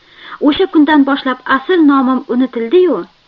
o'sha kundan boshlab asl nomim unutildi yu